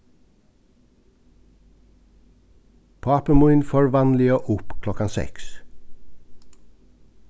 pápi mín fór vanliga upp klokkan seks